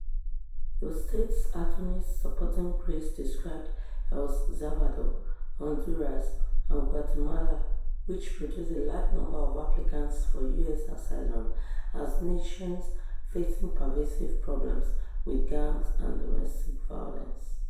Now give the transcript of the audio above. The states' attorneys supporting Grace described El Salvador, Honduras and Guatemala, which produce a large number of applicants for U.S. asylum, as nations facing pervasive problems with gangs and domestic violence.